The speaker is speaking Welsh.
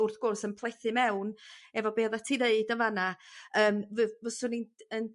wrth gwrs yn plethu mewn efo be' oddat ti ddeud yn fan 'na yym fy- byswn i'n t- yn